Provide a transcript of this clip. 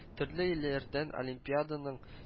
Төрле илләрдән олимпиаданың